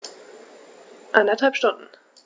Eineinhalb Stunden